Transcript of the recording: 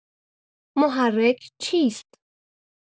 محرک چیست؟